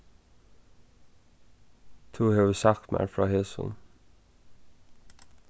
tú hevur sagt mær frá hesum